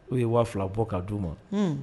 U ye waf bɔ k' d uu ma